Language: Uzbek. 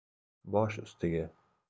bosh ustiga